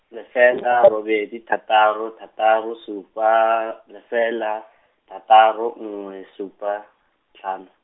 lefela robedi thataro thataro supa, lefela, thataro nngwe supa, tlhano.